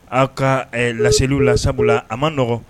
Aw ka laeliw la sabula a ma nɔgɔn